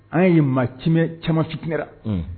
An ye maa caman fitkɛra h